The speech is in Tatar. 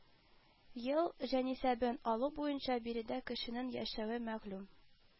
Ел җанисәбен алу буенча биредә кешенең яшәве мәгълүм